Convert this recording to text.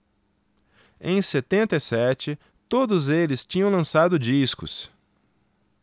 em setenta e sete todos eles tinham lançado discos